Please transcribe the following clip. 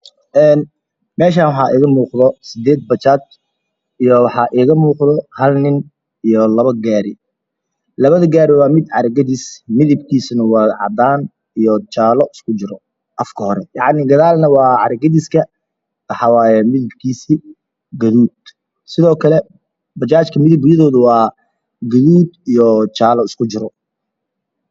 Mashan wax iga muuqdo sided Bajaj ah iyo labo nin iyo labo gari garig kalar kisi waa jale iyo cadan Bajajka kalar kode waa jale iyo gadud